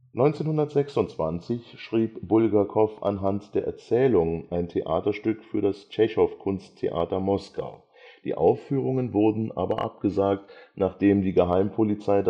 1926 schrieb Bulgakow anhand der Erzählung ein Theaterstück für das Tschechow-Kunsttheater Moskau. Die Aufführungen wurden aber abgesagt, nachdem die Geheimpolizei